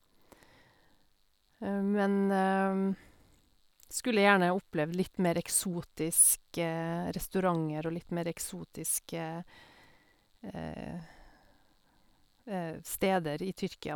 Men skulle gjerne opplevd litt mer eksotiske restauranter og litt mer eksotiske steder i Tyrkia.